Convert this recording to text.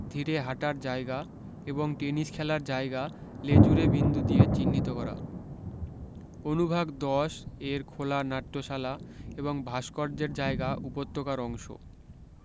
ধীরে হাঁটার জায়গা এবং টেনিস খেলার জায়গা লেজুড়ে বিন্দু দিয়ে চিহ্নিত করা অনুভাগ দশ এর খোলা নাট্যশালা এবং ভাস্কর্যের জায়গা উপত্যকার অংশ